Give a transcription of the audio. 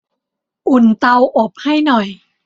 อุ่นเตาอบให้หน่อย